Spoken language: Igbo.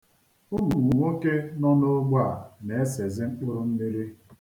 Ụmụnwoke nọ n'ogbe a na-esezi mkpụrụmmiri.